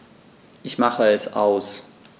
Ich mache es aus.